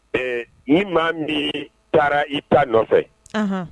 Ee ni maa min b'i taara i ta nɔfɛ